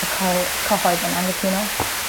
y coe- cyhoedd yn angytuno.